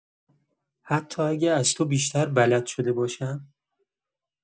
حتی اگه از تو بیشتر بلد شده باشم؟